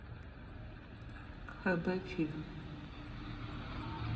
хб фильм